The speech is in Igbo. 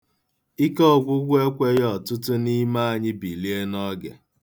Ikeọgwụgwụ ekweghị ọtụtụ n'ime anyị bilie n'oge.